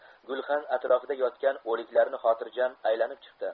gulxan atrofida yotgan o'liklarni xotirjam aylanib chiqdi